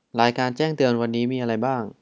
รายการแจ้งเตือนวันนี้มีอะไรบ้าง